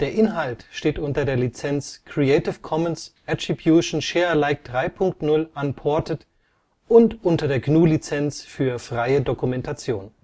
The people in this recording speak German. Inhalt steht unter der Lizenz Creative Commons Attribution Share Alike 3 Punkt 0 Unported und unter der GNU Lizenz für freie Dokumentation